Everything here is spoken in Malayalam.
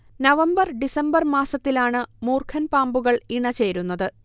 നവംബർ ഡിസംബർ മാസത്തിലാണ് മൂർഖൻ പാമ്പുകൾ ഇണചേരുന്നത്